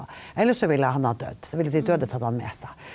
ellers så ville han ha dødd, så ville han døde tatt han med seg.